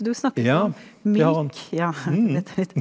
du snakket om myk ja .